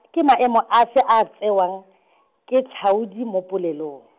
ke maemo afe a a tsewang , ke tlhaodi mo polelong?